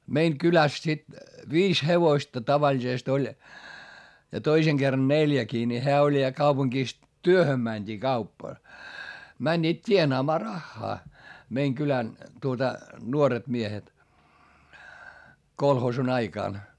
meidän kylässä sitten viisi hevosta tavallisesti oli ja toisen kerran neljäkin niin hän oli ja kaupungissa työhön mentiin - menivät tienaamaan rahaa meidän kylän tuota nuoret miehet kolhoosin aikana